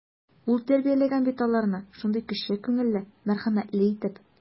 Ул тәрбияләгән бит аларны шундый кече күңелле, мәрхәмәтле итеп.